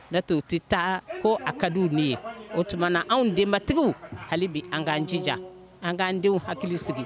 Ne tɛ' tɛ taa ko a kadiw nin ye o tuma na anw denbatigiw hali bi an k'an jija an k'an denw hakili sigi